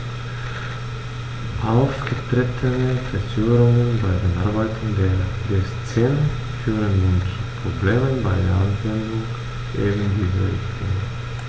Aufgetretene Verzögerungen bei den Arbeiten des CEN führen nun zu Problemen bei der Anwendung eben dieser Richtlinie.